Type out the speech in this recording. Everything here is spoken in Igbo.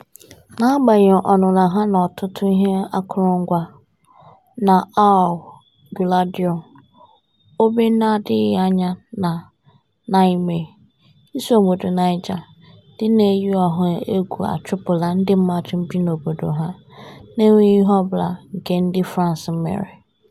N'agbanyeghị ọnụnọ ha na ọtụtụ ihe akụrụngwa, n'Ouro Guéladio, ógbè na-adịghị anya na Niamey, isiobodo Niger, ndị na-eyi ọha egwu achụpụla ndị mmadụ bi n'obodo ha, n'enweghị ihe ọbụla nke ndị France mere.